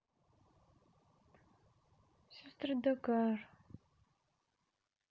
сестры дагар